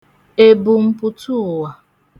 èbùmpùtụụ̀wà